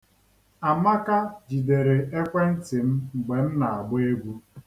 Amaka jidere ekwentị m mgbe m na-agba egwu.